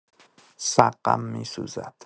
سقم می‌سوزد.